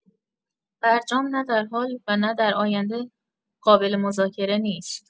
برجام نه در حال و نه در آینده قابل‌مذاکره نیست.